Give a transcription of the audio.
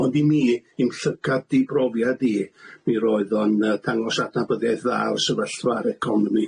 Ond i mi, i'm llygad ddibrofiad i, mi roedd o yn yy dangos adnabyddiaeth dda o sefyllfa'r economi